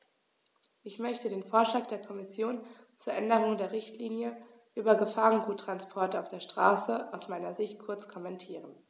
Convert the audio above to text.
Ich möchte den Vorschlag der Kommission zur Änderung der Richtlinie über Gefahrguttransporte auf der Straße aus meiner Sicht kurz kommentieren.